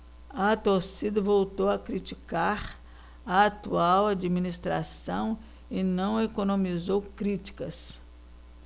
a torcida voltou a criticar a atual administração e não economizou críticas